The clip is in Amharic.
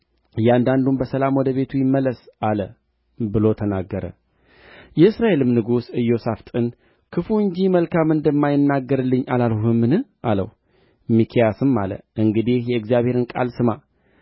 እያንዳንዱም በሰላም ወደ ቤቱ ይመለስ አለ ብሎ ተናገረ የእስራኤልም ንጉሥ ኢዮሣፍጥን ክፉ እንጂ መልካም እንደማይናገርልኝ አላልሁህምን አለው ሚክያስም አለ እንግዲህ የእግዚአብሔርን ቃል ስማ